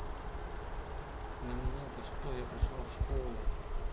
на меня то что я пришла в школу